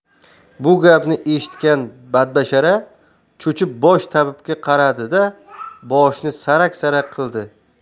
bu gapni eshitgan badbashara cho'chib bosh tabibga qaradi da boshini sarak sarak qildi